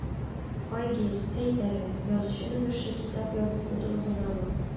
Айгиз, әйт әле, язучының эше китап язып утыру гынамы?